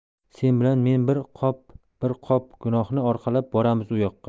sen bilan men bir qop bir qop gunohni orqalab boramiz u yoqqa